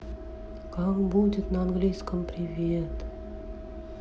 как будет на английском привет